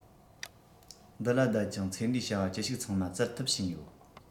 འདི ལ བསྡད ཅིང ཚེ འདིའི བྱ བ ཅི ཞིག ཚང མ བཙལ ཐུབ ཕྱིན ཡོད